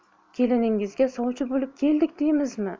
keliningizga sovchi bo'lib keldik deymizmi